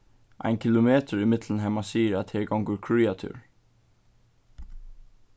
ein kilometur ímillum har mann sigur at her gongur kríatúr